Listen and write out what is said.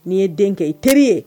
N'i ye den kɛ i teri ye